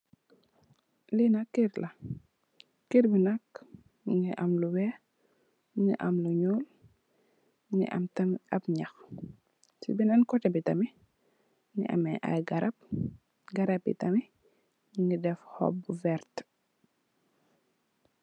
Li nak kerr la kerr bi nak mungi am lu weih Mungi am lu nyuul Mungi am tamit app nyah sey benen koteh bi tamit Mungi ameh i garab garabi tamit Mungi deff hopp bu verteh.